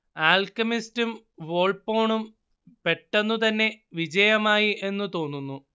ആൽക്കെമിസ്റ്റും വോൾപ്പോണും പെട്ടെന്നുതന്നെ വിജയമായി എന്നു തോന്നുന്നു